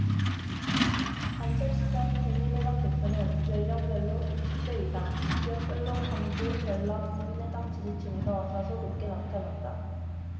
안철수 전 국민의당 대표는 연령별로 육십 세 이상 지역별로 광주 전라 국민의당 지지층에서 다소 높게 나타났다